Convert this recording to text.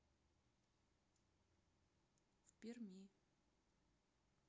в перми